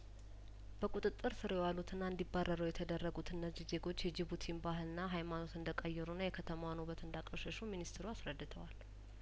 በቁጥጥር ስር የዋሉትና እንዲ ባረሩ የተደረጉት እነዚህ ዜጐች የጅቡቲን ባህልና ሀይማኖት እንደቀየሩና የከተማዋንውበት እንዳቆሸሹ ሚኒስትሩ አስረድተዋል